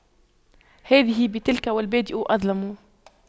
هذه بتلك والبادئ أظلم